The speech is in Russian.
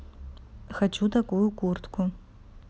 хочу такую куртку